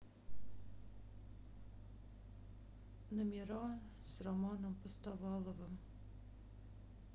номера с романом постоваловым